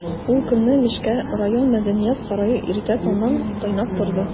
Ул көнне Мишкә район мәдәният сарае иртә таңнан кайнап торды.